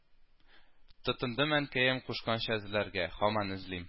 Тотындым әнкәем кушканча эзләргә, һаман эзлим